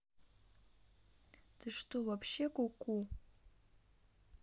ты что вообще куку